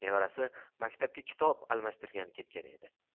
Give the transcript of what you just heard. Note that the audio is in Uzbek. nevarasi maktabiga kitob almashtirgani ketgan edi